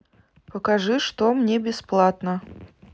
покажи что мне бесплатно